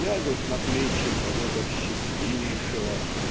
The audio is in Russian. лягут на плечи кого-то "счастливейшего"